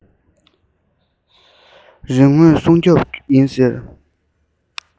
རིག དངོས སྲུང སྐྱོབ ཡིན ཟེར